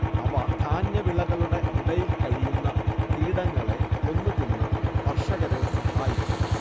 അവ ധാന്യവിളകളുടെ ഇടയിൽ കഴിയുന്ന കീടങ്ങളെ കൊന്ന് തിന്ന് കർഷകരെ സഹായിക്കുന്നു